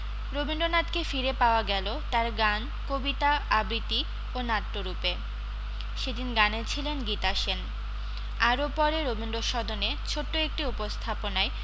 রবীন্দ্রনাথকে ফিরে পাওয়া গেল তার গান কবিতা আবৃত্তি ও নাট্যরূপে সে দিন গানে ছিলেন গীতা সেন আরও পরে রবীন্দ্রসদনে ছোট্ট একটি উপস্থাপনায়